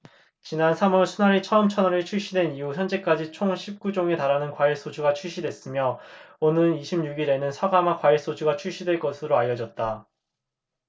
지난 삼 월 순하리 처음처럼이 출시된 이후 현재까지 총 십 구 종에 달하는 과일소주가 출시됐으며 오는 이십 육 일에는 사과맛 과일소주가 출시될 것으로 알려졌다